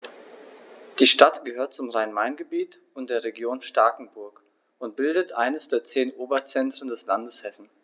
Die Stadt gehört zum Rhein-Main-Gebiet und der Region Starkenburg und bildet eines der zehn Oberzentren des Landes Hessen.